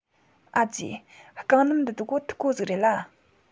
ཨ ཙི རྐང སྣམ འདི དག པོ འཐུག པོ ཟིག རེད ལ